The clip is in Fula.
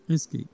eskey